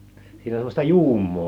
siinä on semmoista juumaa